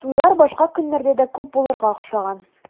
Туйлар башка көннәрдә дә күп булырга охшаган.